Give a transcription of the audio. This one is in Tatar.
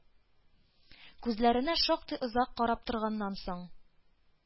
Күзләренә шактый озак карап торганнан соң,